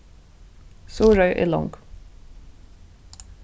suðuroy er long